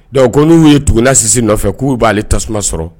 Dɔnku n'u ye tugunasisi nɔfɛ k'u b'ale tasuma sɔrɔ